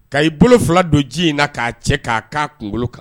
Ka i bolofila don ji in na k'a cɛ k'a k'a kunkolo kan